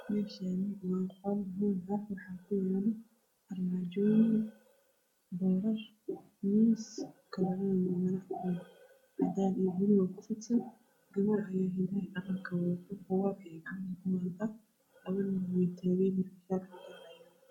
Meeshaani waa qol hool waxaa yaalo armaajo leerar kalarkeedu cadaan gabar Aya hidiyo dhaqanka niman way taagan yihiin